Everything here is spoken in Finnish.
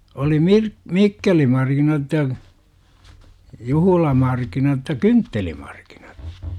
oli - mikkelimarkkinat ja juhlamarkkinat ja kynttelimarkkinat